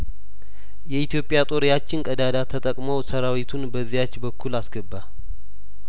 የኢትዮጵያ ጦር ያቺን ቀዳዳ ተጠቅሞ ሰራዊቱን በዚያች በኩል አስገባ